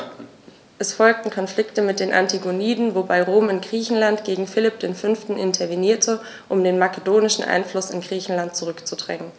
Es folgten Konflikte mit den Antigoniden, wobei Rom in Griechenland gegen Philipp V. intervenierte, um den makedonischen Einfluss in Griechenland zurückzudrängen.